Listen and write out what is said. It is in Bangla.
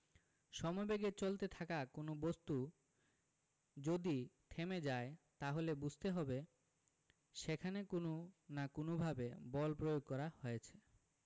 সমবেগে চলতে থাকা কোনো বস্তু যদি থেমে যায় তাহলে বুঝতে হবে সেখানে কোনো না কোনোভাবে বল প্রয়োগ করা হয়েছে